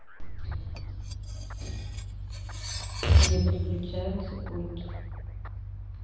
не подключается пульт